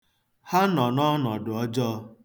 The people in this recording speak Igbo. Ha nọ n'ọnọdụ ọjọọ.